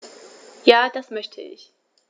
Ja, das möchte ich.